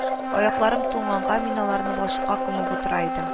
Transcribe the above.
Аякларым туңганга, мин аларны балчыкка күмеп утыра идем